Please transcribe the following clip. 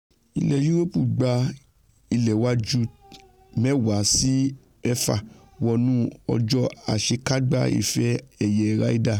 Ilẹ̀ Yuroopu gba ìléwájú 10-6 wọnú ọjọ́ àṣèkágbá Ife-ẹ̀yẹ Ryder.